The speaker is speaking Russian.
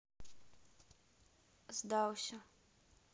сдался